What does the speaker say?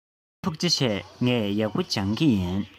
ཐུགས རྗེ ཆེ ངས ཡག པོ སྦྱོང གི ཡིན